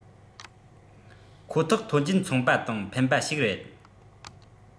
ཁོ ཐག ཐོན འབྱེད ཚོང པ དང ཕན པ ཞིག རེད